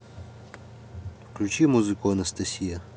включи музыку анастасия